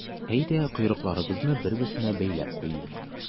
Әйдә, койрыкларыбызны бер-берсенә бәйләп куйыйк.